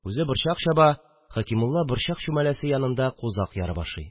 Үзе борчак чаба, Хәкимулла борчак чүмәләсе янында кузак ярып ашый